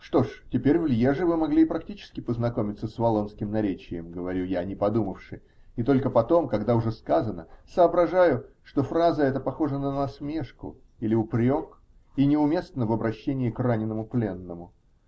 -- Что ж, теперь в Льеже вы могли и практически познакомиться с валлонским наречием, -- говорю я, не подумавши, и только потом, когда уже сказано, соображаю, что фраза эта похожа на насмешку или упрек и неуместна в обращении к раненому пленному.